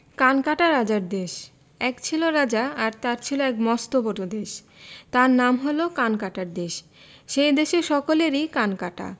কানকাটা রাজার দেশ এক ছিল রাজা আর তার ছিল এক মস্ত বড়ো দেশ তার নাম হল কানকাটার দেশ সেই দেশের সকলেরই কান কাটা